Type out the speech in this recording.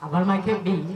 A balimakɛ bɛ yen